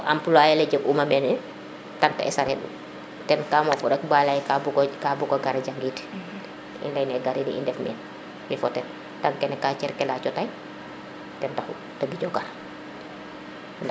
emploiyer le jeg uma mene tanta es a re u ten ka moof u rek mba leya ka bugo gara jangid im ley ne garidi i ndef meen mifo ten tang kene cer ke ka yaco tayten taxu te gijo gar